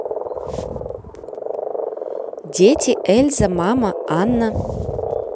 дети эльза мама анна